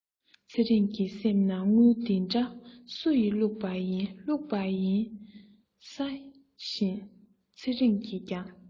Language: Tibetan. ཚེ རིང གི སེམས ནང དངུལ འདི འདྲ སུ ཡི བླུག པ ཡིན བླུག པ ཡིན ས བཞིན ཚེ རིང གིས ཀྱང